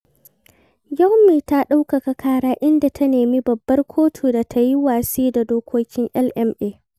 Gyumi ta ɗaukaka ƙara inda ta nemi Babbar Kotu da ta yi watsi da dokokin LMA.